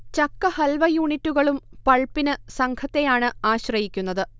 ചക്ക ഹൽവ യൂണിറ്റുകളും പൾപ്പിന് സംഘത്തെയാണ് ആശ്രയിക്കുന്നത്